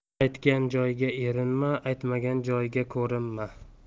aytgan joyga erinma aytmagan joyga ko'rinma